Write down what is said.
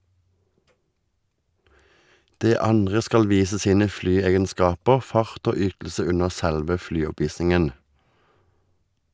Det andre skal vise sine flyegenskaper, fart og ytelse under selve flyoppvisningen.